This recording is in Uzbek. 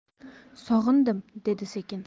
sog'indim dedi sekin